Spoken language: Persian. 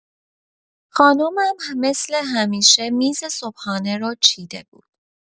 خانمم مثل همیشه میز صبحانه رو چیده بود.